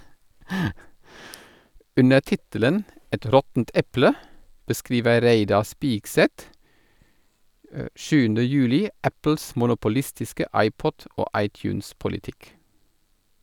Under tittelen «Et råttent eple» beskriver Reidar Spigseth 7. juli Apples monopolistiske iPod- og iTunes-politikk.